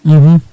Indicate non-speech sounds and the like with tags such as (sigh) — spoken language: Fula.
(hesitation) (hesitation)